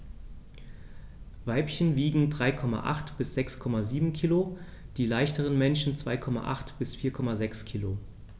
Weibchen wiegen 3,8 bis 6,7 kg, die leichteren Männchen 2,8 bis 4,6 kg.